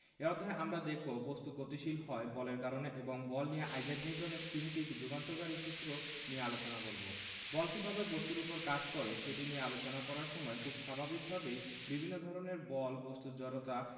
এই অধ্যায়ে আমরা দেখব বস্তু গতিশীল হয় বলের কারণে এবং বল নিয়ে আইজাক নিউটনের তিনটি যুগান্তকারী সূত্র নিয়ে আলোচনা করব বল কীভাবে বস্তুর উপর কাজ করে সেটি নিয়ে আলোচনা করার সময় খুব স্বাভাবিকভাবেই বিভিন্ন ধরনের বল বস্তুর জড়তা